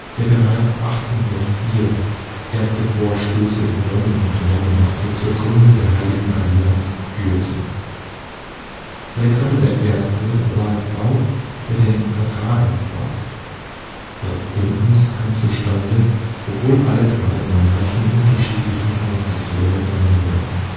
der bereits 1804 erste Vorstöße in London unternommen hatte, zur Gründung der Heiligen Allianz führte. Alexander I. war es auch, der den Vertrag entwarf. Das Bündnis kam zustande, obwohl alle drei Monarchen unterschiedlichen Konfessionen angehörten